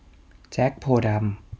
แจ็คโพธิ์ดำ